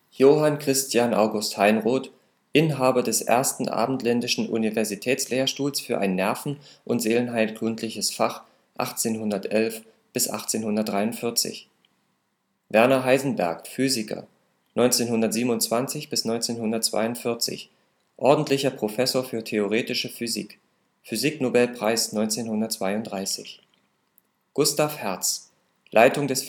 Johann Christian August Heinroth, Inhaber des ersten abendländischen Universitätslehrstuhls für ein nerven - und seelenheilkundliches Fach 1811 - 1843 Werner Heisenberg, Physiker, 1927 – 1942, ordentl. Prof. für theoretische Physik. Physiknobelpreis 1932 Gustav Hertz, Leitung des